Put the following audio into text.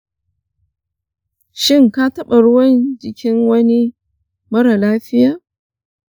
shin ka taɓa ruwan jikin wani mara lafiya?